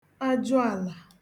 ajụàlà